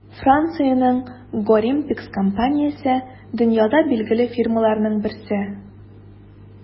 Франциянең Gorimpex компаниясе - дөньяда билгеле фирмаларның берсе.